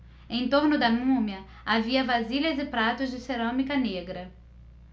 em torno da múmia havia vasilhas e pratos de cerâmica negra